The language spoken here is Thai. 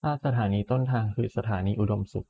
ถ้าสถานีต้นทางคือสถานีอุดมสุข